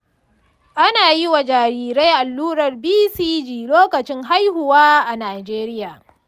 ana yi wa jarirai allurar bcg lokacin haihuwa a najeriya.